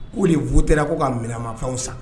U de voté ko ka minɛamafɛnw san.